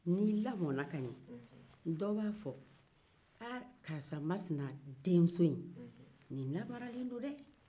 ni i lamarala ka ɲɛ dɔ b'a fɔ aa karisa masina denmuso in nin lamaralen do dɛɛ